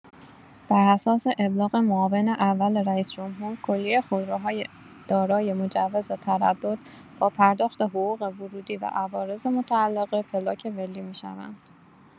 بر اساس ابلاغ معاون اول رئیس‌جمهور، کلیه خودروهای دارای مجوز تردد با پرداخت حقوق ورودی و عوارض متعلقه، پلاک ملی می‌شوند.